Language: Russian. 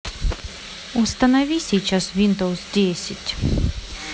установи сейчас виндоус десять